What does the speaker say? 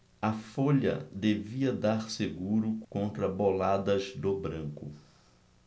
a folha devia dar seguro contra boladas do branco